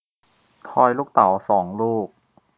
ทอยลูกเต๋าสองลูก